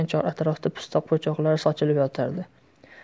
chor atrofda pista po'choqlari sochilib yotardi